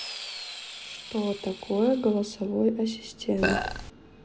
что такое голосовой ассистент